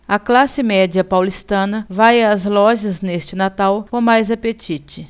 a classe média paulistana vai às lojas neste natal com mais apetite